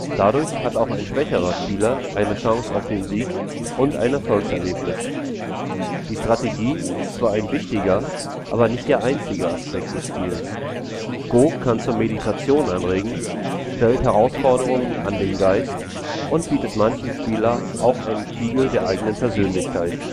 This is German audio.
Dadurch hat auch ein schwächerer Spieler eine Chance auf den Sieg und ein Erfolgserlebnis. Die Strategie ist zwar ein wichtiger, aber nicht der einzige Aspekt des Spiels: Go kann zur Meditation anregen, stellt Herausforderungen an den Geist und bietet manchem Spieler auch einen Spiegel der eigenen Persönlichkeit